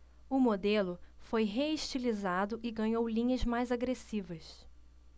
o modelo foi reestilizado e ganhou linhas mais agressivas